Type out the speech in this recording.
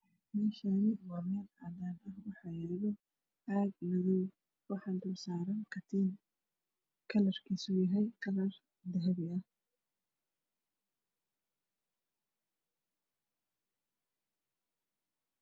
Meeshaan waa meel cadaan ah waxaa yaalo caag madow waxaa dulsaaran katiin dahabi ah.